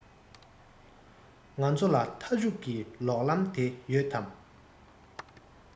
ང ཚོ ལ མཐའ མཇུག གི ལོག ལམ དེ ཡོད དམ